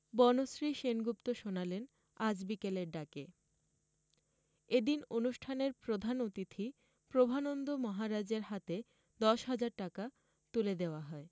বনশ্রী সেনগুপ্ত শোনালেন আজ বিকেলের ডাকে এ দিন অনুষ্ঠানের প্রধান অতিথি প্রভানন্দ মহারাজের হাতে দশ হাজার টাকা তুলে দেওয়া হয়